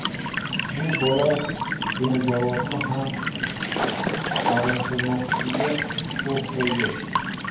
bu bola vinzavodni ham kavlashtirmoqchiga o'xshaydi